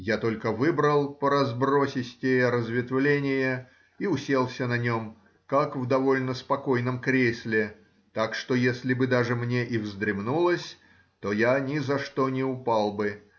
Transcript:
Я только выбрал поразбросистее разветвление и уселся на нем, как в довольно спокойном кресле, так что если бы даже мне и вздремнулось, то я ни за что не упал бы